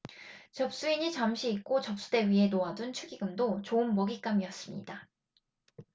접수인이 잠시 잊고 접수대 위에 놓아둔 축의금도 좋은 먹잇감이었습니다